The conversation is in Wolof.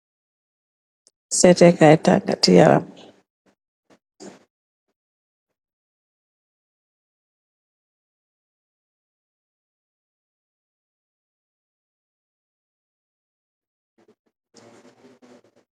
Setekai tagat yaram.